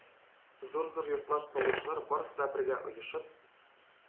Зур-зур йортлар салучылар, барысы бергә оешып,